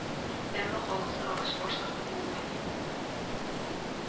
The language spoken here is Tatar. Әмма халык сорагач, баш тартып булмый